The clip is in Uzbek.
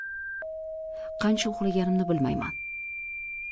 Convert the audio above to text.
qancha uxlaganimni bilmayman